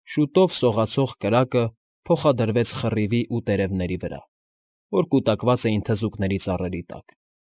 Շուտով սողացող կրակը փոխադրվեց խռիվի ու տերևների վրա, որ կուտակված էին թզուկների ծառերի տակ։